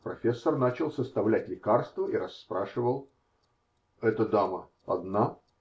Профессор начал составлять лекарство и расспрашивал: -- Эта дама одна?